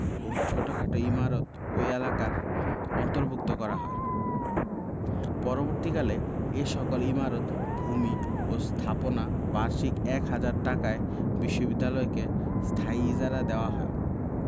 ও ছোটখাট ইমারত ওই এলাকার অন্তর্ভুক্ত করা হয় পরবর্তীকালে এ সকল ইমারত ভূমি ও স্থাপনা বার্ষিক এক হাজার টাকায় বিশ্ববিদ্যালয়কে স্থায়ী ইজারা দেওয়া হয়